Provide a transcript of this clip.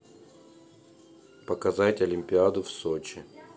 показать олимпиаду в сочи